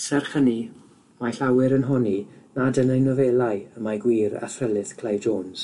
Serch hynny, mae llawer yn honni nad yn ei nofelau y mae gwir athrylith Clive Jones,